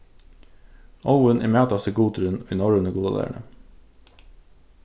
óðin er mætasti gudurin í norrønu gudalæruni